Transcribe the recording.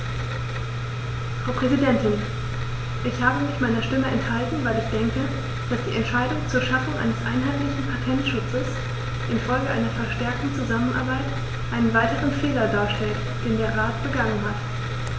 Frau Präsidentin, ich habe mich meiner Stimme enthalten, weil ich denke, dass die Entscheidung zur Schaffung eines einheitlichen Patentschutzes in Folge einer verstärkten Zusammenarbeit einen weiteren Fehler darstellt, den der Rat begangen hat.